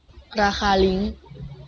ราคาลิ้ง